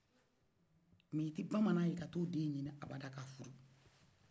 mɛ i tɛ bamananye ka taa o den ɲini a bada ka furu